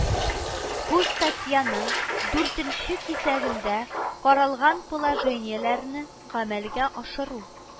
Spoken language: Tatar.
Бу статьяның дүртенче кисәгендә каралган положениеләрне гамәлгә ашыру